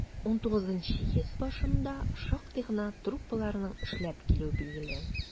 XIX йөз башында шактый гына труппаларның эшләп килүе билгеле.